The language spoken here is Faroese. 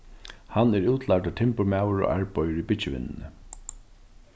hann er útlærdur timburmaður og arbeiðir í byggivinnuni